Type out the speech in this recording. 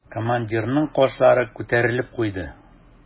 Командирның кашлары күтәрелеп куйды.